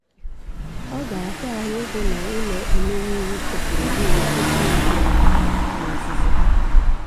Ọ ga-ahịa ahụ ịhụ na Ụlọ Omeiwu tụpụrụ bịịlụ soshaa midịa ahụ n'ozuzu ya.